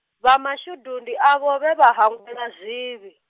vha mashudu ndi avho vhe vha hangwelwa zwivhi.